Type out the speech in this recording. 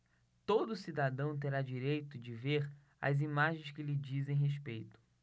todo cidadão terá direito de ver as imagens que lhe dizem respeito